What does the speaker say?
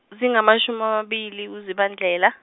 zingamashum' amabili kuZibandlela.